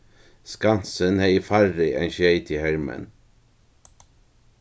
skansin hevði færri enn sjeyti hermenn